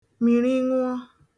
mìrinụọ